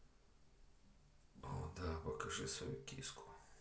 о да покажи свою киску